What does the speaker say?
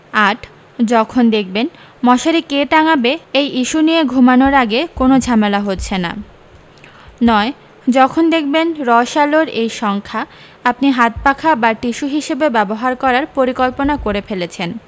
৮ যখন দেখবেন মশারি কে টাঙাবে এই ইস্যু নিয়ে ঘুমানোর আগে কোনো ঝামেলা হচ্ছে না ৯ যখন দেখবেন রস আলোর এই সংখ্যা আপনি হাতপাখা বা টিস্যু হিসেবে ব্যবহার করার পরিকল্পনা করে ফেলেছেন